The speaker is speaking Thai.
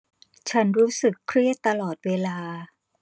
ฉันรู้สึกเครียดตลอดเวลา